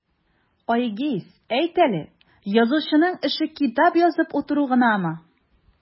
Айгиз, әйт әле, язучының эше китап язып утыру гынамы?